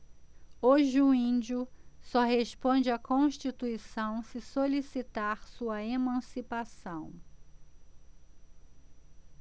hoje o índio só responde à constituição se solicitar sua emancipação